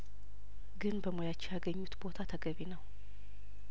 ግን በሙያቸው ያገኙት ቦታ ተገቢ ነው